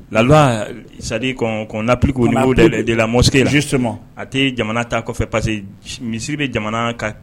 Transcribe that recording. Ladu sarina pki de lasima a tɛ jamana ta kɔfɛ parce que misiri bɛ jamana ka